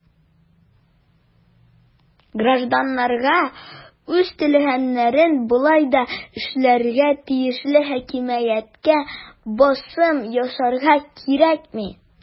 Гражданнарга үз теләгәннәрен болай да эшләргә тиешле хакимияткә басым ясарга кирәкми.